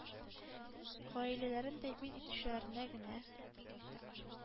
Гаиләләрен тәэмин итүчеләренә генә